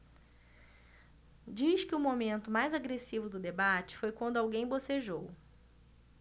diz que o momento mais agressivo do debate foi quando alguém bocejou